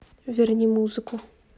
верни музыку